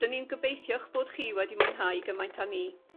'Dyn ni'n gobeithio'ch bod chi wedi mwynhau gymaint â ni